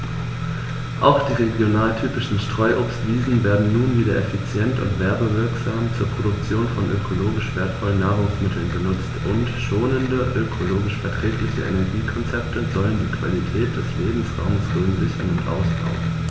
Auch die regionaltypischen Streuobstwiesen werden nun wieder effizient und werbewirksam zur Produktion von ökologisch wertvollen Nahrungsmitteln genutzt, und schonende, ökologisch verträgliche Energiekonzepte sollen die Qualität des Lebensraumes Rhön sichern und ausbauen.